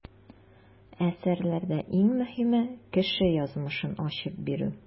Әсәрләрдә иң мөһиме - кеше язмышын ачып бирү.